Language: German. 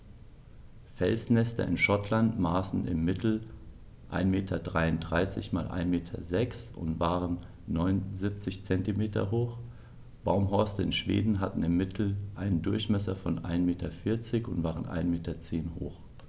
Felsnester in Schottland maßen im Mittel 1,33 m x 1,06 m und waren 0,79 m hoch, Baumhorste in Schweden hatten im Mittel einen Durchmesser von 1,4 m und waren 1,1 m hoch.